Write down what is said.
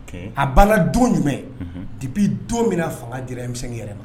A banna don jumɛn debi don bɛna a fanga dimimisɛn yɛrɛ ma